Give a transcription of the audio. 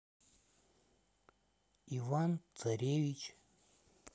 иван царевич